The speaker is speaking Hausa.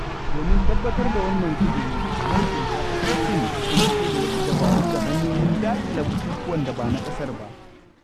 Domin tabbatar da wannan ƙuduri, mahukunta ƙasar Sin sun fito da wasu dabaru da hanyoyin daƙile bukukuwan da ba na ƙasar ba.